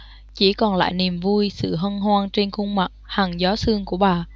chỉ còn lại niềm vui sự hân hoan trên khuôn mặt hằn gió sương của bà